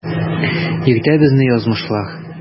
Йөртә безне язмышлар.